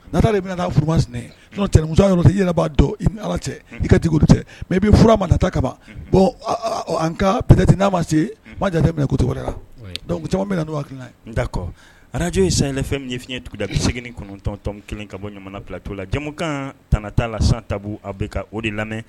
Nta de bɛna furumasmuso yɔrɔ tɛ yɛlɛ' dɔn i ni ala cɛ i ka cɛ mɛ i bɛ fura mata ka ban bɔn an ka pte n'a ma se maja tɛ minɛ ko cogo la dɔnkuc caman bɛ na n dakɔ araj in san ye fɛn min fiɲɛɲɛ duguda segin ni kɔnɔntɔntɔn kelen ka bɔ jamana fila tu la jamukan tan t' la san ta a bɛ ka o de lamɛn